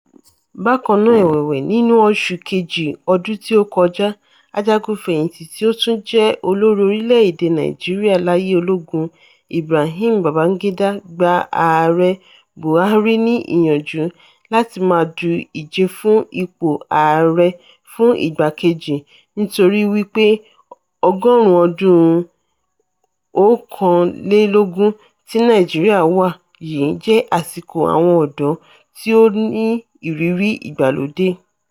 Bákan náà ẹ̀wẹ̀wẹ̀, nínú Oṣù Kejì ọdún tí ó kọjá, ajagun fẹ̀yìntì tí ó tún jẹ́ olórí orílẹ̀-èdè Nàìjíríà láyé ológun, Ibrahim Babangida gba Ààrẹ Buhari ní ìyànjú láti máà du ìje fún ipò Ààrẹ fún ìgbà kejì, nítorí wípé ọgọ́rùn-ún ọdún 21 tí Nàìjíríà wà yìí jẹ́ àsìkò àwọn ọ̀dọ́ tí ó ní ìrírí ìgbàlódé.